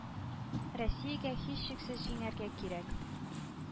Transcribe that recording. Россиягә һичшиксез җиңәргә кирәк.